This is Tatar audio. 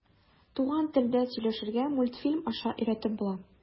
Туган телдә сөйләшергә мультфильм аша өйрәтеп була.